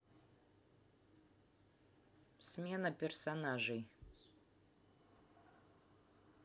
смена персонажей